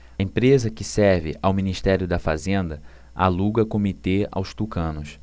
empresa que serve ao ministério da fazenda aluga comitê aos tucanos